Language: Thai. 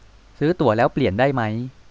ซื้อตั๋วแล้วเปลี่ยนได้มั้ย